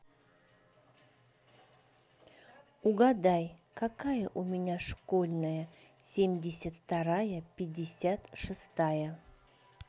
угадай какая у меня школьная семьдесят вторая пятьдесят шестая